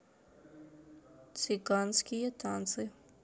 цыганские танцы